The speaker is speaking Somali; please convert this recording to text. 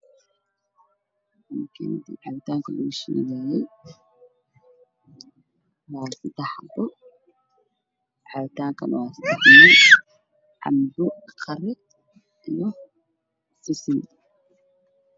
Waa makiinadda cabitaanka lagu shiidaayay waa saddexaadba cabitaankana waa saddex cambe qara iyo sisin